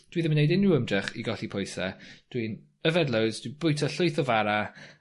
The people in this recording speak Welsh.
dwi ddim yn neud unryw ymdrech i golli pwyse. Dwi'n yfed loads dwi'n bwyta llwyth o fara.